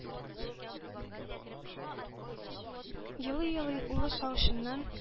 Елый-елый улы сагышыннан